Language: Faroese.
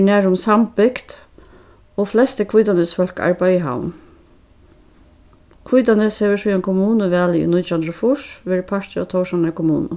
er nærum sambygt og flestu hvítanesfólk arbeiða í havn hvítanes hevur síðan kommunuvalið í nítjan hundrað og fýrs verið partur av tórshavnar kommunu